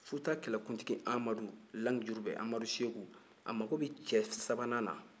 futa kɛlɛkuntigi amadu lamijurubɛ amadu seku a mago bɛ cɛ sabanan na